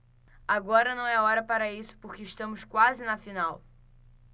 agora não é hora para isso porque estamos quase na final